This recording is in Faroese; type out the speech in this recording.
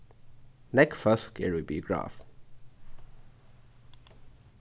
nógv fólk eru í biograf